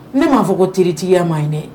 Ne m'a fɔ ko ttigiya ma ɲi dɛ